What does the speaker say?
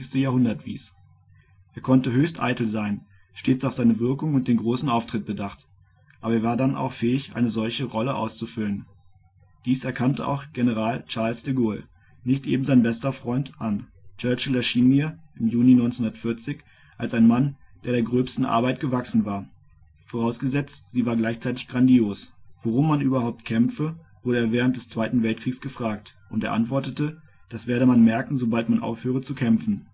Jahrhundert wies. Er konnte höchst eitel sein, stets auf seine Wirkung und den großen Auftritt bedacht. Aber er war dann auch fähig, eine solche Rolle auszufüllen. Dies erkannte auch General Charles de Gaulle - nicht eben sein bester Freund - an: " Churchill erschien mir (im Juni 1940) als ein Mann, der der gröbsten Arbeit gewachsen war - vorausgesetzt, sie war gleichzeitig grandios. " Worum man überhaupt kämpfe, wurde er während des 2. Weltkrieges gefragt - und er antwortete, das werde man merken, sobald man aufhöre zu kämpfen